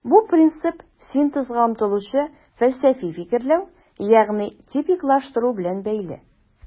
Бу принцип синтезга омтылучы фәлсәфи фикерләү, ягъни типиклаштыру белән бәйле.